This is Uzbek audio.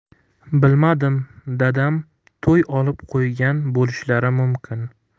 bilmadim dadam to'y olib qo'ygan bo'lishlari mumkin